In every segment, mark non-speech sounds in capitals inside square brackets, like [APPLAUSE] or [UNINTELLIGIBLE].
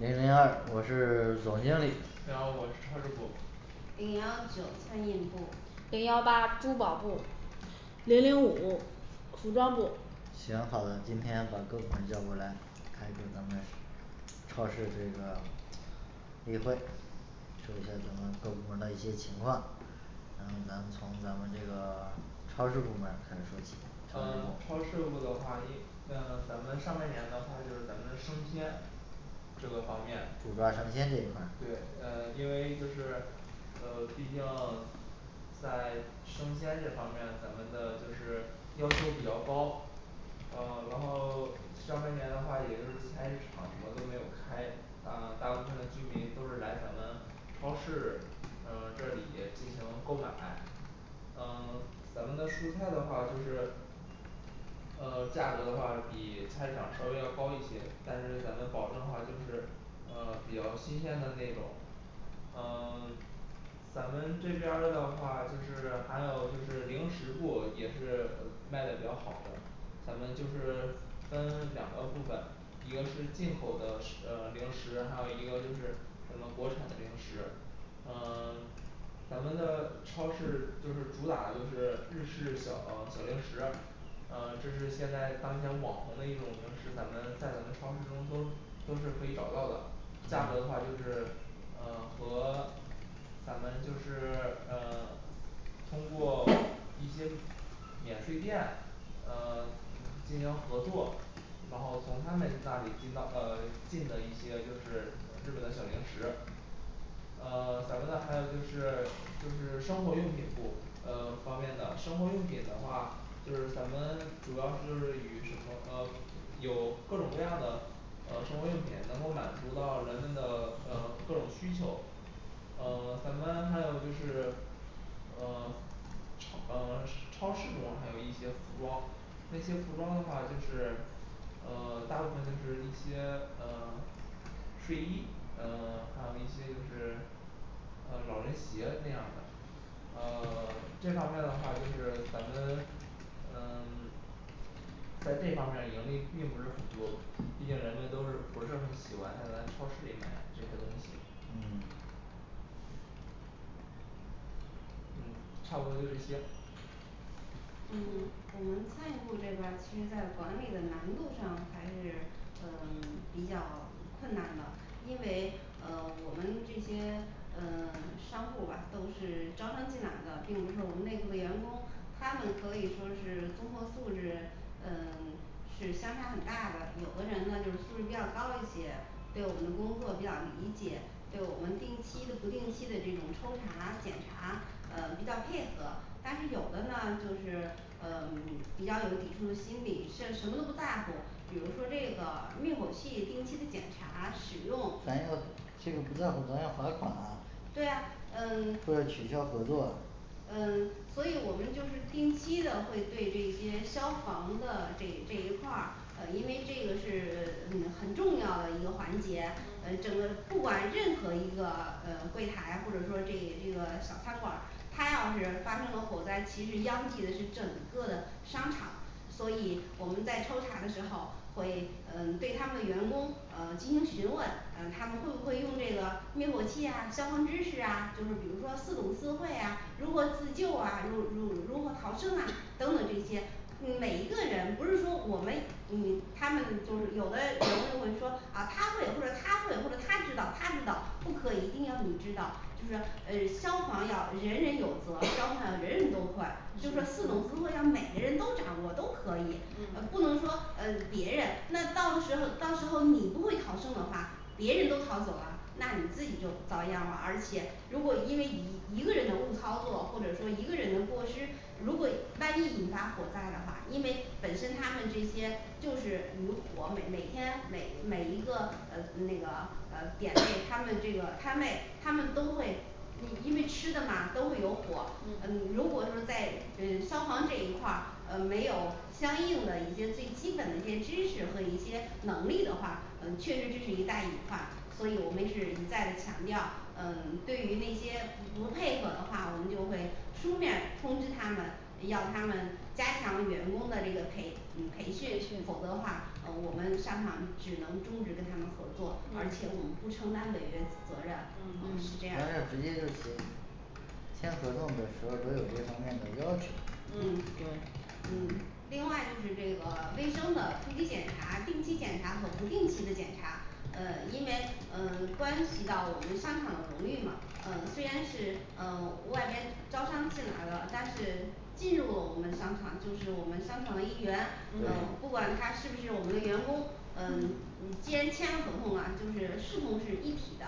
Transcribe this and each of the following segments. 零零二我是 [SILENCE] 总经零幺五理我是超市部零幺九餐饮部零幺八珠宝部零零五服装部行好的今天把各部门儿叫过来开一个咱们超市这个 [SILENCE] 例会说一下咱们各部门儿的一些情况咱咱们从咱们这个 [SILENCE] 超市部门儿开始说起嗯超市部的话一嗯咱们上半年的话就是咱们的生鲜这个方面主抓生鲜这一块对儿嗯因为就是嗯毕竟 [SILENCE] 在生鲜这方面咱们的就是要求比较高嗯然后上半年的话也就是菜市场什么都没有开嗯大部分的居民都是来咱们超市嗯这里进行购买嗯 [SILENCE] 咱们的蔬菜的话就是嗯价格的话比菜市场稍微要高一些但是咱们保证的话就是嗯比较新鲜的那种嗯 [SILENCE] 咱们这边儿的话就是还有就是零食部也是呃卖的比较好的咱们就是分两个部分一个是进口的食 [UNINTELLIGIBLE] 嗯零食还有一个就是咱们国产的零食嗯 [SILENCE] 咱们的超市就是主打的就是日式小哦小零食嗯这是现在当前网红的一种零食咱们在咱们超市中都都是可以找到的价格的话就是嗯和咱们就是呃 [SILENCE] 通过一些免税店呃 [SILENCE] 进行进行合作然后从他们那里进到呃进了一些就是日本的小零食呃 [SILENCE] 咱们的还有就是就是生活用品部呃方面的生活用品的话就是咱们主要是就是与什么呃有各种各样的嗯生活用品能够满足到人们的呃各种需求嗯咱们还有就是嗯 [SILENCE] 超嗯市超市中还有一些服装那些服装的话就是嗯 [SILENCE] 大部分就是一些嗯 [SILENCE] 睡衣呃 [SILENCE] 还有一些就是嗯老人鞋那样儿的嗯 [SILENCE] 这方面儿的话就是咱们嗯在这方面儿盈利并不是很多毕竟人们都是不是很喜欢在咱超市里买这些东西嗯嗯差不多就这些嗯我们餐饮部这边儿其实在管理的难度上还是嗯 [SILENCE] 比较困难的因为嗯我们这些嗯 [SILENCE] 商户吧都是招商进来的并不是我们内部的员工他们可以说是综合素质嗯 [SILENCE] 是相差很大的有的人呢就是素质比较高一些对我们工作比较理解对我们定期的不定期的这种抽查检查呃比较配合但是有的呢就是嗯 [SILENCE] 比较有抵触的心理是什么都不在乎比如说这个灭火器定期的检查使用咱要这个不在乎咱要罚款啊对呀嗯或者取消合作嗯 [SILENCE] 所以我们就是定期的会对这些消防的这这一块儿呃因为这个是嗯很重要的一个环节嗯整个嗯不管任何一个 [SILENCE] 嗯柜台或者说这这个小餐馆儿它要是发生了火灾其实殃及的是整个的商场所以我们在抽查的时候会嗯对他们的员工嗯进行询问嗯他们会不会用这个灭火器呀消防知识啊就是比如说四懂四会啊如何自救啊如如如何逃生啊等等这些嗯每一个人不是说我们嗯他们就是有的员工就会说啊他会或者他会或者他知道他知道不可以一定要你知道就是嗯消防要人人有责& [HESITATION] &消防要人人都会就是说四懂工作要每个人都掌握都可以&嗯&呃不能说嗯别人那到时候到时候你不会逃生的话别人都逃走了那你自己就遭殃了而且如果因为一一个人的误操作或者说一个人的过失如果万一引发火灾的话因为本身他们这些就是与火每每天每每一个呃那个呃点位& [HESITATION] &他们这个摊位他们都会嗯因为吃的嘛都会有火嗯嗯如果是在嗯消防这一块儿嗯没有相应的一些最基本一些知识和一些能力的话嗯确实这是一大隐患所以我们是一再的强调嗯对于那些不配合的话我们就会书面儿通知他们要他们加强员工的这个培嗯培训否则的话嗯我们商场只能终止跟他们合作&嗯&而且我们不承担违约责任&嗯嗯&是这样反正直接就行签合同的时候不是有这方面的要求嗯对嗯另外就是这个卫生的突击检查定期检查和不定期的检查嗯因为嗯关系到我们商场的荣誉嘛嗯虽然是嗯外边招商进来了但是进入了我们商场就是我们商场的一员&嗯&嗯不管对他是不是我们的员工&嗯&嗯既然签合同了就是视同是一体的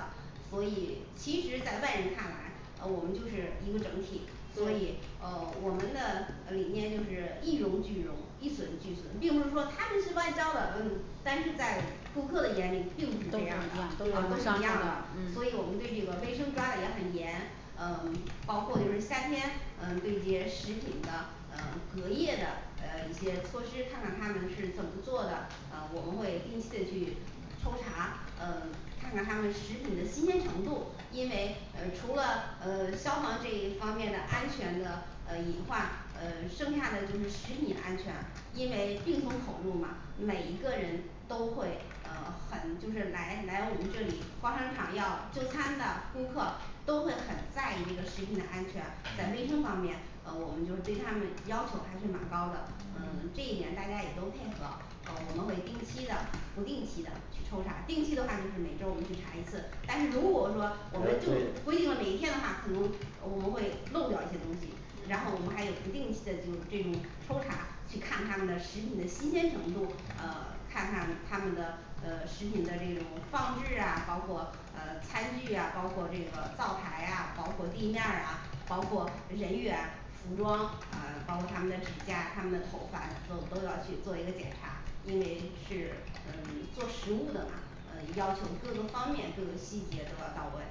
所以其实在外人看来呃我们就是一个整体所对以嗯我们的理念就是一荣俱荣一损俱损并不是说他们是外招的嗯但是在顾客的眼里并不是都这是样的啊都是一一样样的的嗯所以我们对这个卫生抓得也很严嗯包括就是夏天嗯对这些食品的嗯隔夜的嗯一些措施看看他们是怎么做的嗯我们会定期的去抽查嗯看看他们食品的新鲜程度因为嗯除了嗯消防这一方面的安全的嗯隐患嗯剩下的就是食品安全因为病从口入嘛每一个人都会嗯很就是来来我们这里逛商场要就餐的顾客都会很在意这个食品的安全在卫嗯生方面呃我们就对他们要求还是蛮高的嗯嗯这一点大家也都配合嗯我们会定期的不定期的去抽查定期的话就是每周我们去查一次但是如果说我们就规定了哪一天的话可能我们会漏掉一些东西然后我们还有嗯不定期的就这种抽查去看他们的食品的新鲜程度嗯看看他们的嗯食品的这种放置啊包括嗯餐具啊包括这个灶台啊包括地面儿啊包括人员服装嗯包括他们的指甲他们的头发都都要去做一个检查因为是嗯做食物的嘛嗯要求各个方面各个细节都要到位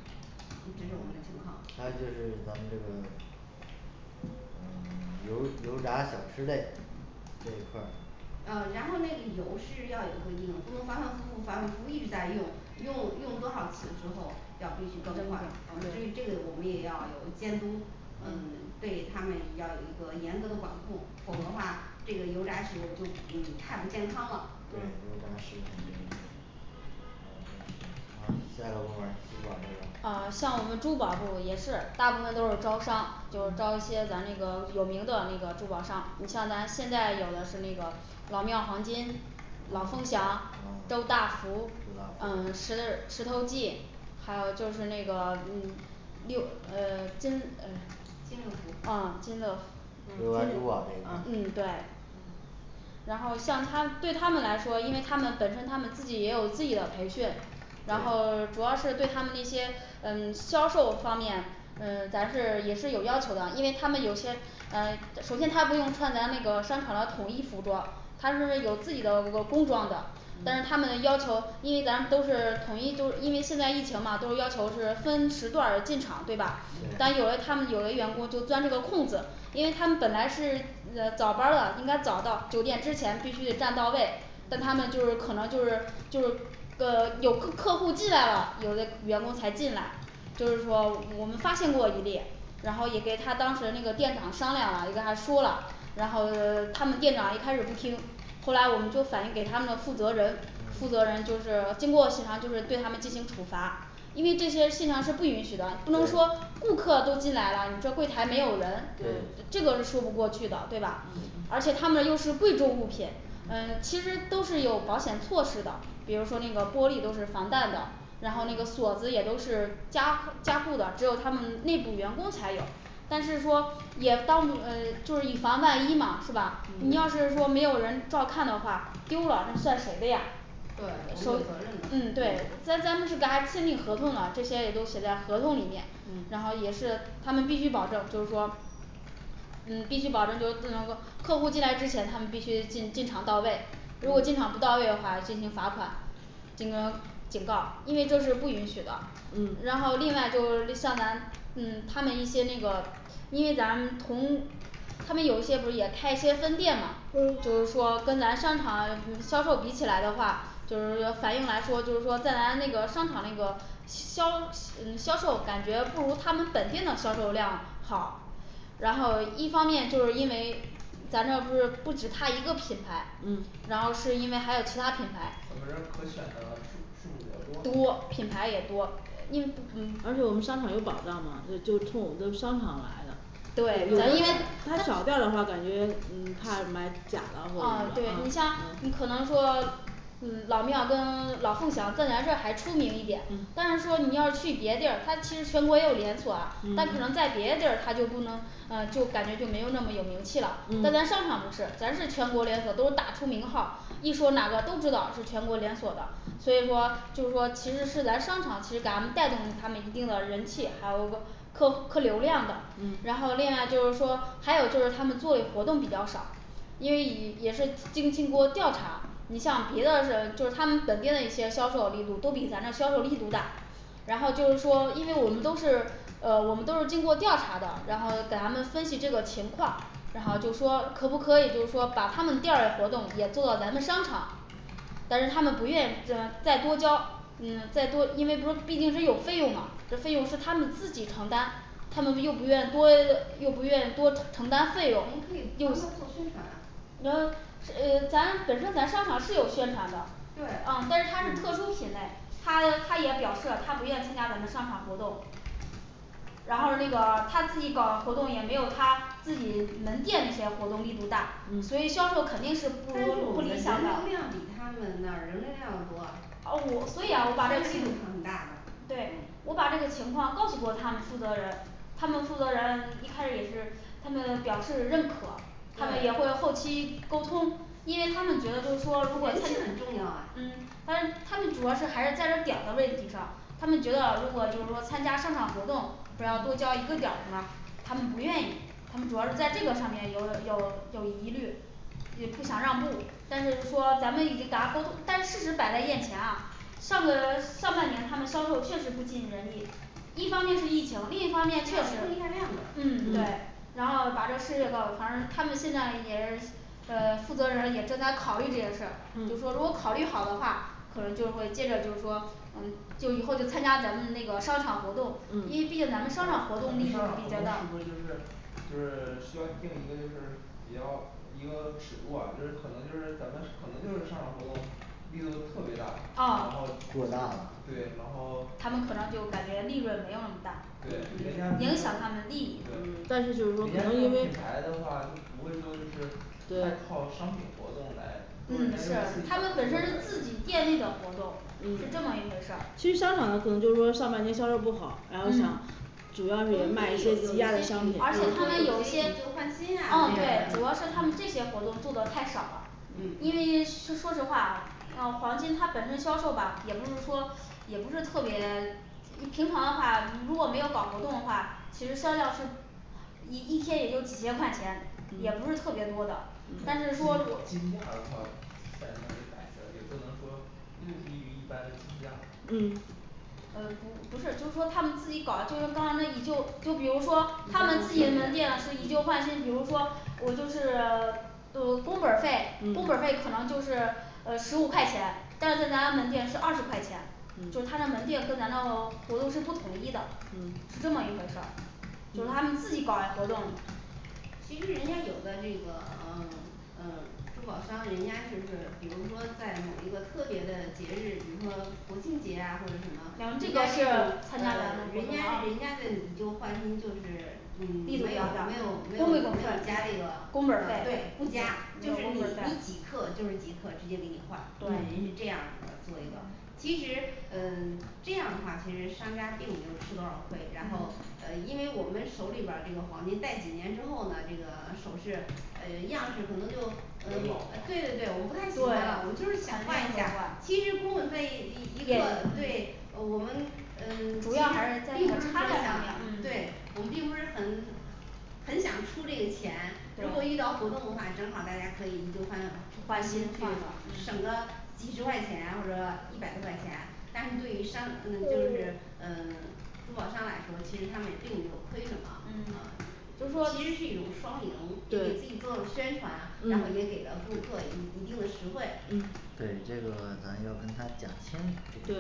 嗯这是我们的情况还有就是咱们这个嗯 [SILENCE] 油油炸小吃类这一块儿嗯然后那个油是要有规定不能反反复复反反复复一直在用用用多少次之后要必须更换所以这个我们也要有监督嗯对他们要有一个严格的管控否则的话这个油炸食品就嗯太不健康了对油炸食品还有这个嗯下一个部门儿珠宝部嗯像我们珠宝部也是大部分都是招商就是招一嗯些咱那个有名的那个珠宝商你像咱现在有的是那个老庙黄金老凤祥嗯周周大大福福嗯石石头记还有就是那个嗯六嗯金哎金六福啊金珠宝六福嗯那对块儿嗯然后像他对他们来说因为他们本身他们自己也有自己的培训然后 [SILENCE] 主对要是对他们那些嗯销售方面嗯咱是也是有要求的因为他们有些嗯首先他不用穿咱那个商场的统一服装他是有自己的工工装的但是他嗯们要求因为咱们都是统一就是因为现在疫情嘛都要求是分时段儿进场对吧但有嘞对他们有嘞员工就钻这个空子因为他们本来是嗯早班儿的应该早到九点之前必须得站到位但他们就是可能就是就是嗯有顾客户进来了有的员工才进来就是说我们发现过一例然后也给他当事人那个店长商量了也跟他说了然后就是他们店长一开始不听后来我们就反映给他们的负责人负责嗯人就是经过协商就是对他们进行处罚因为这些现象是不允许的不能说顾客都进来了你这柜台没有人这对个是说不过去的嗯对吧而且嗯他们又是贵重物品嗯嗯其实都是有保险措施的比如说那个玻璃都是防弹的然后那个嗯锁子也都是加固加固的只有他们内部员工才有但是说也防嗯就是以防万一嘛是吧&嗯&你要是说没有人照看的话丢了那算谁的呀对我们嗯对有责咱任的咱们是给他签订合同了这些也都写在合同里面&嗯&然后也是他们必须保证就是说嗯必须保证就是不能说客户进来之前他们必须进进场到位如果进场不到位的话进行罚款进行警告因为这是不允许的然嗯后另外就是说像咱嗯他们一些那个因为咱从他们有些不是也开一些分店嘛&啊&就是说跟咱商场嗯销售比起来的话就是反映来说就是说在咱那个商场那个销嗯销售感觉不如他们本店的销售量好然后一方面就是因为咱这儿不是不止他一个品牌嗯然后是因为还有其他咱们品牌这儿可选的数数目比较多多品牌也多因为嗯而且我们商场有保障嘛对就是冲我们的商场来的对因为啊对它小店儿的话感觉嗯怕买假的或者怎么你着嗯像你可能说嗯老庙跟 [SILENCE] 老凤祥在咱这儿还出名一点嗯但是说你要是去别地儿它其实全国也有连锁啊但可能嗯在别的地儿它就不能嗯就感觉就没有那么有名气了但咱商场不嗯是咱是全国连锁都是打出名号儿一说哪个都知道是全国连锁的所以说就是说其实是咱商场其实给他们带动他们一定的人气还有客客流量的嗯然后另外就是说还有就是他们做的活动比较少因为以 [UNINTELLIGIBLE] 也是经经过调查你像别的是就是他们本店的一些销售力度都比咱这销售力度大然后就是说因为我们都是嗯我们都是经过调查的然后给咱们分析这个情况然后就是说可不可以就是说把他们店儿的活动也做到咱们商场但是他们不愿嗯再多交嗯再多因为不是毕竟是有费用嘛这费用是他们自己承担他们又不愿多又不愿意多咱可以帮它承担费用又做宣传啊嗯啊咱本身咱商场是有宣传的对啊嗯但是它是特殊品类他他也表示他不愿参加咱们商场活动然后那个他自己搞活动也没有他自己门店的一些活动力度大所以嗯销售但是我们这人肯流定是不不理想的量比他们那儿人流量要多啊我哦们我宣所以传呀力度是很大的嗯对我把这个情况告诉过他们负责人他们负责人一开始也是他们表示认可他们也会对后期沟通因为他们名气觉得就是说如果很重要啊嗯但是他们主要是还是在这点的问题上他们觉得如果就是说参加商场活动不是要多交一个点儿嘛他们不愿意他们主要是在这个上面有有有疑虑也不想让步但是说咱们已经达通但事实摆在眼前啊上个上半年他们销售确实不尽人意一方面是疫情另这要冲一方面就是一下量的嗯嗯对然后把这事也告诉反正他们现在也嗯负责人也正在考虑这件事儿就是说如果嗯考虑好的话可能就会接着就是说嗯就以后就参加咱们那个商场活动嗯因为毕竟咱咱们们商商场场活活动动是不力是度比就较大是就是 [SILENCE] 需要定一个就是比较一个尺度啊就是可能就是咱们可能就是商场活动力度特别大嗯然后过大了对然后他们可能就感觉利润没有那么大对人家对人家这种影响他们的利益但是就是说可能因品为牌的话就不会说就是太靠商品活动来嗯是他们本身是自己店内的活动是这对么一嗯回事儿其实商场呢可能就是说上半年销售不好然后嗯想主要就是卖商品而且他们有一些以旧换新啊啊对主要是他们这些活动做的太少了嗯因嗯为说实话啊嗯黄金它本身销售吧也不是说也不是特别 [SILENCE] 你平常的话如果没有搞活动的话其实销量是一一天也就几千块钱也嗯不是特别多的金但是说金价的话在那里摆着也不能说低嗯于一般金嗯价嗯不不是就是说他们自己搞的促销方案那你就就比如说他们自己门店是以旧换新比如说我就是 [SILENCE] 嗯工本儿费工本儿嗯费可能就是嗯十五块钱但是来咱门店是二十块钱就是他的门嗯店跟咱的活动是不统一的嗯是这么一回事儿就他们自己搞嘞活动其实人家有的这个 [SILENCE] 嗯嗯珠宝商人家就是比如说在某一个特别的节日比如说母亲节啊或者什么咱们人这个家是的参加咱们的人家的以旧换新就是嗯没有没有没有没有加这个，工本儿对费不加就是你你几克就是几克直接给你换人对是这样子的做一个其实嗯这样的话其实商家并没有吃多少亏然后嗯嗯因为我们手里边儿这个黄金戴几年之后呢这个首饰嗯样式可能就款老呃对对对了我们不太喜欢啦我们就是对想换一下儿其实工本费一克嗯对我们嗯嗯主要还还是是在差价上面对我们并不是很很想出这个钱如果遇到对活动的话正好大家可以就换上换新去了嗯省个嗯几十块钱或者一百多块钱但是对于商嗯就是嗯 [SILENCE] 珠宝商来说其实他们也并没有亏什么嗯嗯其就是说实是一种双赢也给对自己做了宣传然后也嗯给了顾客一一定的实惠嗯对这个咱要跟他讲清对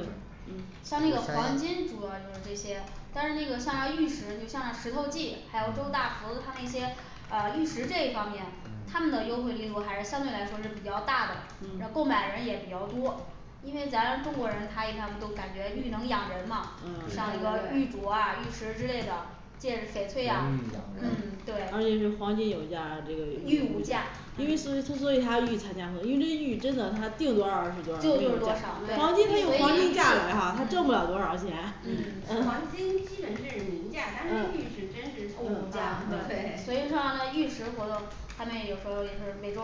嗯像这个黄金主要就是这些但是这个像玉石就像那石头记还有周大福它那些啊玉石这一方面他们的优惠力度还是相对来说是比较大的嗯购买人也比较多因为咱中国人他一向都感觉玉能养嗯对对人嘛像这个玉对镯啊玉石之类的戒指翡翠玉啊养嗯对人而且就是黄金有价这个玉无价因为所以对所以玉参加活动因为这玉真的他定多少儿是多少就就是说黄金嗯儿黄金价格哈他挣不了多少儿钱嗯黄嗯金基本嗯是嗯明价但是玉嗯是真实透明的对所以像那玉石活动 [NOISE] 他们有时候儿也就是每周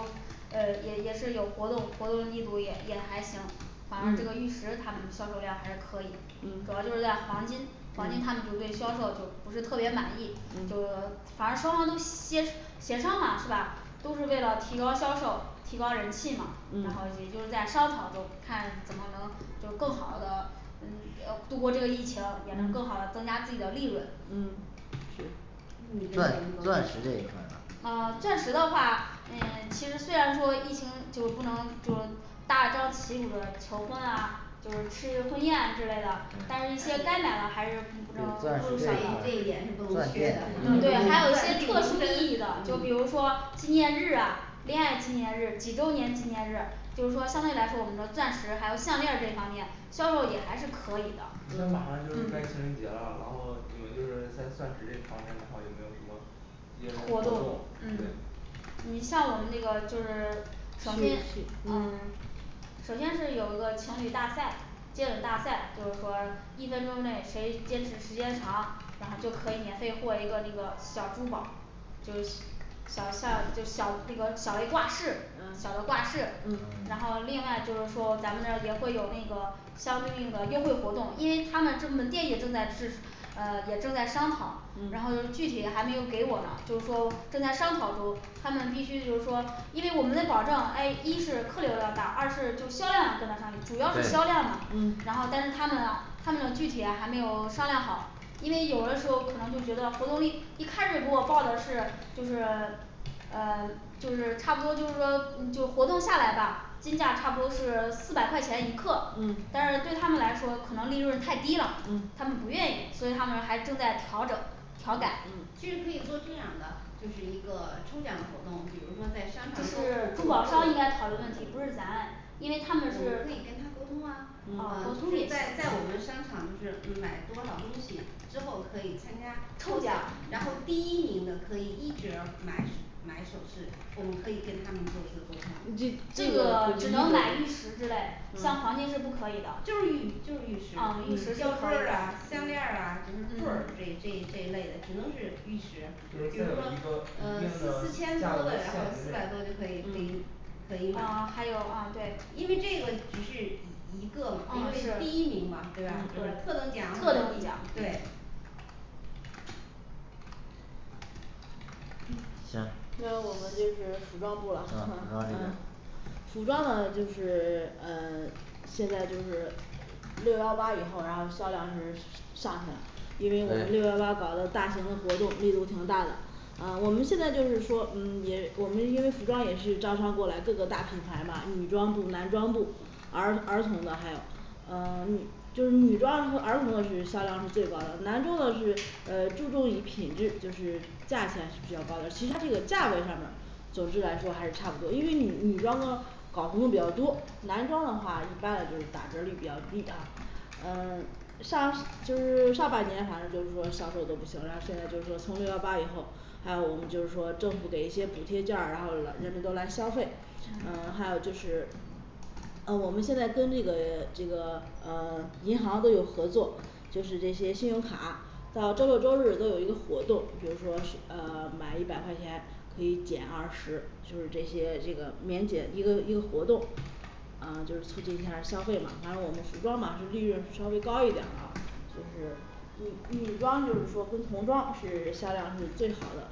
嗯也也是有活动活动力度也也还行反而这个玉石他们的销售量还是可以主要就是嗯在黄金黄金嗯他们就对销售就不是特别满意嗯就是反正双方都协协商吧是吧都是为了提高销售提高人气嘛然后嗯也就是在商场就看怎么能就更好的嗯呃渡过这个疫情也能更好的增加自己的利润嗯嗯钻钻石这一片儿呢嗯 [SILENCE] 钻石的话嗯其实虽然说疫情就不能就大张旗鼓的求婚啊就是吃婚宴之类的但是一些该买的还是钻嗯就石就这这这一一点是块不能缺儿的钻钻戒比如说纪念日啊恋爱纪念日几周年纪念日就是说相对来说我们的钻石还有项链儿这一方面销售也还是可以的你看马上就是该情嗯人节了然后你们就是在钻石这方面的话有没有什么一些活活动动嗯对你像我们那个就是首先嗯首先是有个情侣大赛接吻大赛就是说一分钟内谁坚持时间长然后就可以免费获一个那个小珠宝就是小项就小那个小嘞挂饰嗯小的挂饰嗯嗯然后另外就是说咱们也会有那个相对应的优惠活动因为他们这门店也正在至嗯也正在商讨然嗯后就具体还没有给我呢就是说正在商讨中她们必须就是说因为我们得保证诶一是客流量大二是就销量跟得上去主要是销量对&嗯&然后但是他们啊他们具体还没有商量好因为有的时候可能就觉得活动一一开始给我报的是就是 [SILENCE] 嗯 [SILENCE] 就是差不多就是说就活动下来吧金价差不多是四百块钱一克嗯但是对他们来说可能利润太低了嗯他们不愿意所以他们还正在调整调改这其实可以做这样的就是一个抽奖活动比如说在商场是购珠物宝商应该考虑的问题不是咱因为他们是我们可以跟他沟通啊在在啊我们嗯商场就是买多少东西之后可以参加抽奖然后第一名的可以一折儿买买首饰我们可以跟他们做一个沟通你这这个只能买玉石之类像黄金是不可以的啊就是玉就是啊嗯玉石玉石吊坠儿啊项链儿啊就是坠儿这一这一嗯这一类的只能是玉就是石这有一就比个如评定的说呃四四千价多格现的然后值四百多就可以可以可以买嗯还有嗯对因为这个只是一个嘛因嗯为是是第一名嘛对吧就是特特等等奖奖对嗯行该我们就是服装部嗯服了 [NOISE] 装这啊边儿服装呢就是 [SILENCE] 嗯 [SILENCE] 现在就是六幺八以后然后销量是是 [UNINTELLIGIBLE] 上去了因为我们六幺八对搞的大型的活动力度挺大的嗯我们现在就是说嗯也我们因为服装也是招商过来各个大品牌嘛女装部男装部儿儿童的还有嗯 [SILENCE] 女就是女装和儿童的是销量是最高的男装的是嗯注重于品质就是价钱是比较高的其实它这个价格上面总之来说还是差不多因为女女装呢搞活动比较多男装的话一般的就打折率比较低啊嗯上就是上半年反正就是说销售都不行然后现在就是说从六幺八以后还有我们就是说政府给一些补贴券儿然后老人们都来消费嗯嗯还有就是嗯我们现在跟那个 [SILENCE] 这个呃 [SILENCE] 银行都有合作就是那些信用卡到周六周日都有一个活动比如说是嗯 [SILENCE] 买一百块钱可以减二十就是这些这个免减一个一个活动啊就是促进一下消费嘛反正我们服装嘛就是利润稍微高一点儿啊就是女女装就是说跟童装是销量是最好的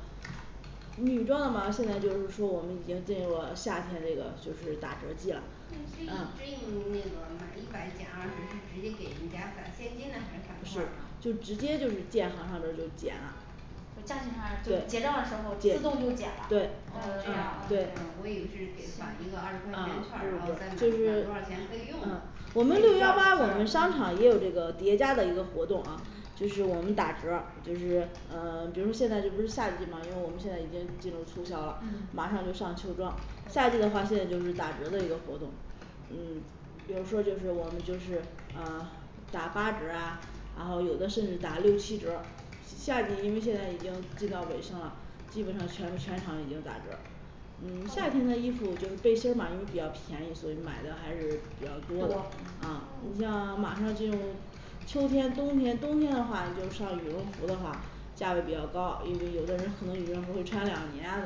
女装的话现在就是说我们已经进入了夏天这个就是打折季这这了一啊这一那个满一百减二十是直接给人家返现金呢还是返券儿呢就直接就是建行上都就减了对对对对啊就价钱的话就结账的时候自动就减了啊啊这样嗯啊就是嗯我以为是给返一个二十块钱券儿然后再满满多少多少钱可以用我的们六幺八我们商场也有这个叠加的一个活动啊就是我们打折儿就是嗯比如现在这不是夏季嘛因为我们现在已经进入秋装了马嗯上就上秋装夏季的话现在就是打折的一个活动嗯比如说就是我们就是嗯打八折儿啊然后有的甚至打六七折儿夏季因为现在已经进到尾声了基本上全全场已经打折儿了嗯夏天的衣服就是背心儿嘛因为比较便宜所以买的还是比较多多嗯你嗯像马上进入秋天冬天冬天的话就上羽绒服的话价位比较高有的有的人可能会穿两对对对对年啊